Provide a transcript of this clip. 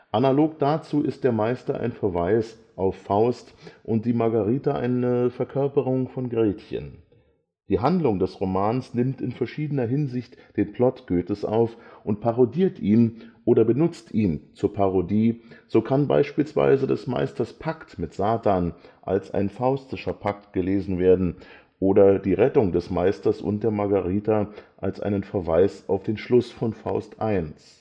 Analog dazu ist der Meister ein Verweis auf Faust und die Margarita eine Verkörperung von Gretchen. Die Handlung des Romans nimmt in verschiedener Hinsicht den Plot Goethes auf und parodiert ihn oder benutzt ihn zur Parodie, so kann beispielsweise des Meisters Pakt mit Satan als ein faustischer Pakt gelesen werden oder die Rettung des Meisters und der Margarita als einen Verweis auf den Schluss von Faust I.